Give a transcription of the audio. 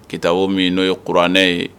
Kita o min n'o ye kuranɛ ye